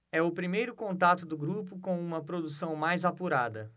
é o primeiro contato do grupo com uma produção mais apurada